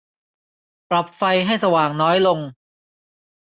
ปรับไฟให้สว่างน้อยลง